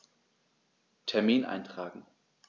Termin eintragen